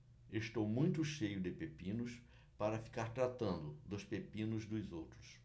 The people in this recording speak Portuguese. estou muito cheio de pepinos para ficar tratando dos pepinos dos outros